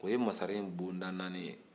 o ye masaren bonda naani ye